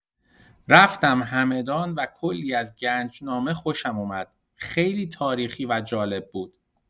رفتم همدان و کلی از گنجنامه خوشم اومد، خیلی تاریخی و جالب بود.